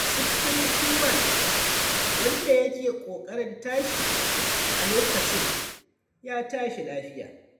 6321, wanda yake kokarin tashi a lokacin, ya tashi lafiya.